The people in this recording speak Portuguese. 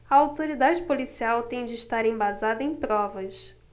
a autoridade policial tem de estar embasada em provas